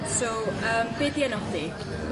So yym be' 'di enw chdi?